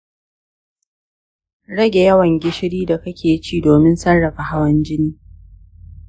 rage yawan gishiri da kake ci domin sarrafa hawan jini.